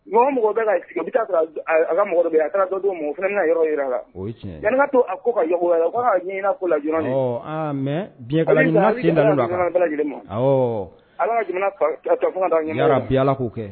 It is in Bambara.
Mɔgɔ mɔgɔ bɛ sigi ala mako a kana don' ma fana yɔrɔ la to a ko ka ɲini ko laj mɛ ma ala ka jamana bi ala k' kɛ